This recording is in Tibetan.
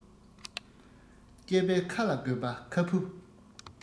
སྐྱེས པའི ཁ ལ དགོས པ ཁ སྤུ